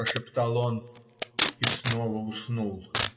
- прошептал он и снова уснул.